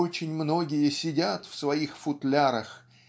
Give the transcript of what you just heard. очень многие сидят в своих футлярах